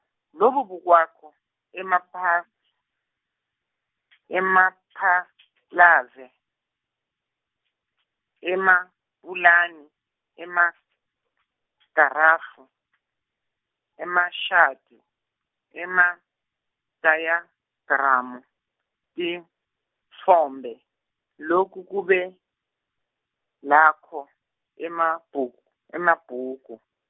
Lokubukwako, emaba- emabalave, emapulani, emagrafu, emashadi, emadayagramu, titfombe, loku kube, lakho, emabhuku- emabhuku.